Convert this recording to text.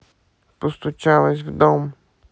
постучалась в дом